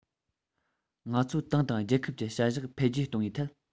ང ཚོའི ཏང དང རྒྱལ ཁབ ཀྱི བྱ གཞག འཕེལ རྒྱས གཏོང བའི ཐད